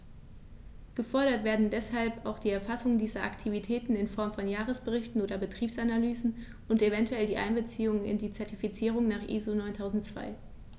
Gefordert werden deshalb auch die Erfassung dieser Aktivitäten in Form von Jahresberichten oder Betriebsanalysen und eventuell die Einbeziehung in die Zertifizierung nach ISO 9002.